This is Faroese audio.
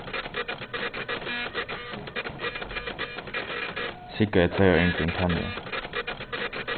sigga er tvey ár yngri enn tanja